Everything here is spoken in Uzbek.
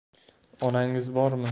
onangiz bormi